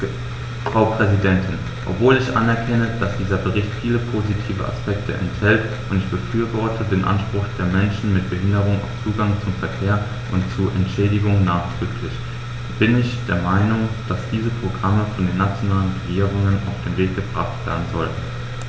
Frau Präsidentin, obwohl ich anerkenne, dass dieser Bericht viele positive Aspekte enthält - und ich befürworte den Anspruch der Menschen mit Behinderung auf Zugang zum Verkehr und zu Entschädigung nachdrücklich -, bin ich der Meinung, dass diese Programme von den nationalen Regierungen auf den Weg gebracht werden sollten.